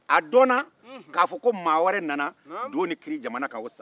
a dɔnna ka fɔ ko mɔgɔ wɛrɛ nana do ni kiri jamana kan o san